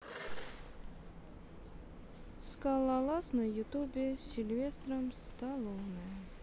скалолаз на ютубе с сильвестром сталлоне